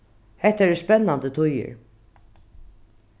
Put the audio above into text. hetta eru spennandi tíðir